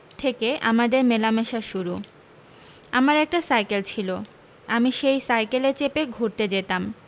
থেকে আমাদের মেলামেশা শুরু আমার একটা সাইকেল ছিলো আমি সেই সাইকেলে চেপে ঘুরতে যেতাম